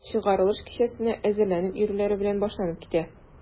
Чыгарылыш кичәсенә әзерләнеп йөрүләре белән башланып китә.